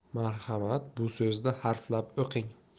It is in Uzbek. marhamat bu so'zni harflab o'qing